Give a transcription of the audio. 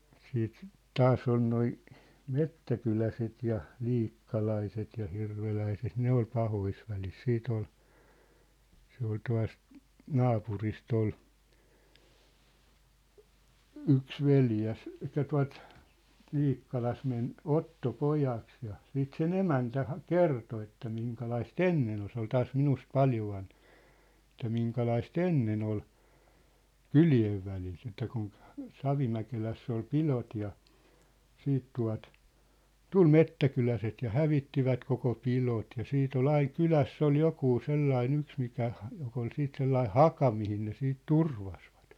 sitten taas on nuo metsäkyläläiset ja liikkalaiset ja hirveläiset ne oli pahoissa väleissä sitten oli se oli tuosta naapurista oli yksi veljrs että tuota Liikkalassa meni ottopojaksi ja sitten sen emäntä - kertoi että - ennen oli se oli taas minusta paljon vanhempi että minkälaista ennen oli kylien välit että kun Savimäkelässä oli pidot ja sitten tuota tuli metsäkyläiset ja hävittivät koko pidot ja sitten oli aina kylässä oli joku sellainen yksi mikä joka oli sitten sellainen haka mihin ne sitten turvasivat